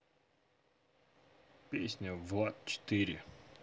песня влад четыре